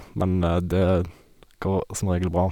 Men det går som regel bra.